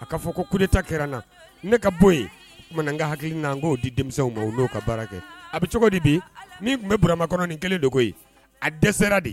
A ka fɔ ko coup d'Etat kɛra na, ne ka bɔ yen, o tuma na an ka hakili k'o di denmisɛnww ma, u n'o ka baara kɛ, a bɛ cogo di bi? Min tun bɛ Burama kɔnɔ nin kelen de koyi, ŋa a dɛsɛra de.